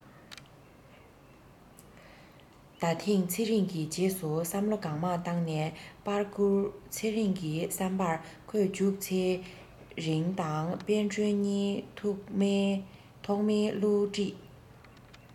ད ཐེངས ཚེ རིང གིས རྗེས སུ བསམ བློ གང མང བཏང ནས པར བསྐུར ཚེ རིང གི བསམ པར ཁོས མཇུག ཚེ རིང དང དཔལ སྒྲོན གཉིས ཐོག མའི བསླུ བྲིད